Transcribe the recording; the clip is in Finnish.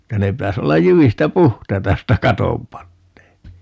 että ne pitäisi olla jyvistä puhtaita josta katon panee